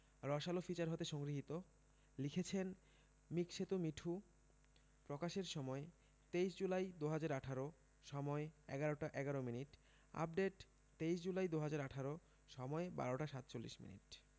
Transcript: রসআলো feature হতে সংগৃহীত লিখেছেনঃ মিকসেতু মিঠু প্রকাশের সময়ঃ ২৩ জুলাই ২০১৮ সময়ঃ ১১টা ১১মিনিট আপডেট ২৩ জুলাই ২০১৮ সময়ঃ ১২টা ৪৭মিনিট